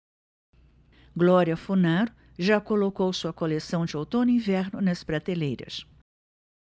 glória funaro já colocou sua coleção de outono-inverno nas prateleiras